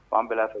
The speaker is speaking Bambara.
K'an bɛɛ so